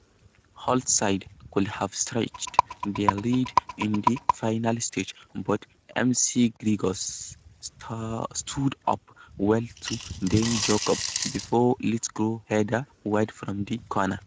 Holt's side could have stretched their lead in the final stages but McGregor stood up well to deny Jacobs before Lithgow headed wide from the corner.